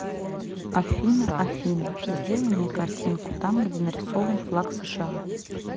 афина афина сделай мне картинку там где нарисован флаг сша